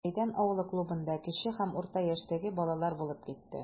Мәйдан авылы клубында кече һәм урта яшьтәге балалар булып китте.